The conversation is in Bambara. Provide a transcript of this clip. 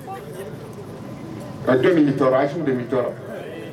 Nka don min tɔɔrɔ a yesu bɛ tɔɔrɔ